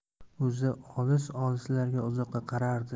o'zi olis olislarga uzoqqa qarardi